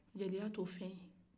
jeliya tɛ o fɛn ye